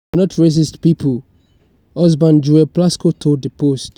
We're not racist people," husband Joel Plasco told the Post.